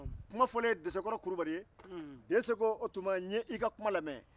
kuma fɔlen desekɔrɔ kulubali ye dese ko o tuma n ye i ka kuma lamɛn